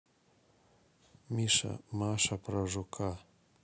миша маша про жука